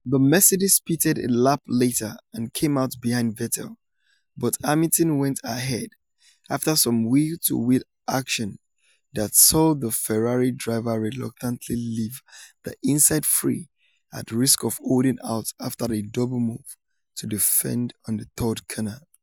The Mercedes pitted a lap later and came out behind Vettel, but Hamilton went ahead after some wheel-to-wheel action that saw the Ferrari driver reluctantly leave the inside free at risk of holding out after a double-move to defend on the third corner.